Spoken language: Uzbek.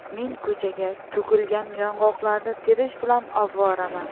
men ko'chaga to'kilgan yong'oqlarni terish bilan ovoraman